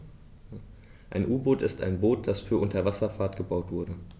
Ein U-Boot ist ein Boot, das für die Unterwasserfahrt gebaut wurde.